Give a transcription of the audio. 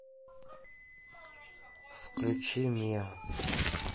включи миа